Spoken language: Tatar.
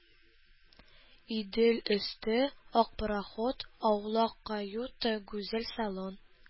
Идел өсте, ак пароход, аулак каюта, гүзәл салон